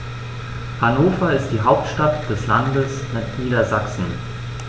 Hannover ist die Hauptstadt des Landes Niedersachsen.